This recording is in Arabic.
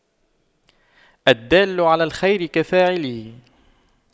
الدال على الخير كفاعله